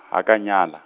ha ka nyala.